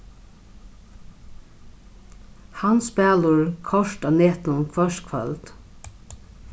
hann spælir kort á netinum hvørt kvøld